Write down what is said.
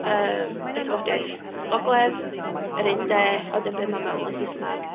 yym, y tafodiaeth gogledd, yr un de, a wedyn be ma' meddwl yn Saesneg.